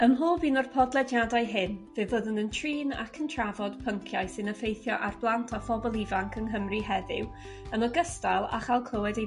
ym mhob un o'r podlediadau hyn fe fyddwn yn trin ac yn trafod pynciau sy'n effeithio ar blant a phobl ifanc yng Nghymru heddiw, yn ogystal â chael clywed ei